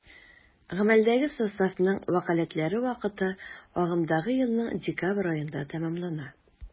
Гамәлдәге составның вәкаләтләре вакыты агымдагы елның декабрь аенда тәмамлана.